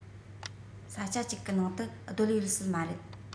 ས ཆ ཅིག གི ནང དུ བསྡད ཡོད སྲིད མ རེད